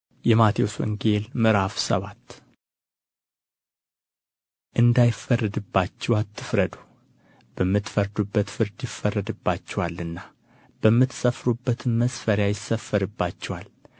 ﻿የማቴዎስ ወንጌል ምዕራፍ ሰባት እንዳይፈረድባችሁ አትፍረዱ በምትፈርዱበት ፍርድ ይፈረድባችኋልና በምትሰፍሩበትም መስፈሪያ ይሰፈርባችኋል